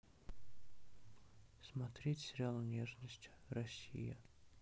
смотреть сериал нежность россия